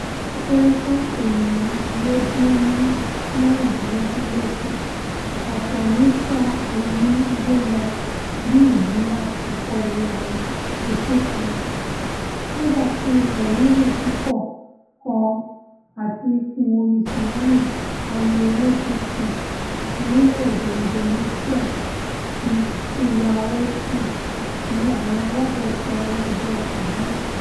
Ó kéré tán ènìyàn irinwó-dínní-mẹ́rindínlógún ló kú, ọ̀pọ̀ nísàn omi gbé lọ bí ìjì ńlá ti kọlu àwọn etíkun. nígbàti ilẹ̀ rírì púpọ̀ kan àti ìkún-omi tsunami kọlu erékùsù orílẹ̀-èdè Indonesia ti Sulawesi, ni àwọn aláṣẹ sọ lọ́jọ́ Àbamẹ́ta.